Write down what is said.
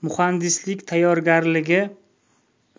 muhandislik tayyorgarligi